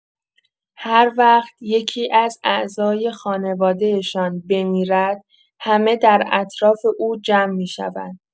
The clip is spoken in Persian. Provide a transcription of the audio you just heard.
هر وقت یکی‌از اعضای خانواده‌شان بمیرد، همه در اطراف او جمع می‌شوند.